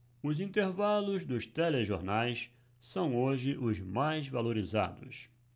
os intervalos dos telejornais são hoje os mais valorizados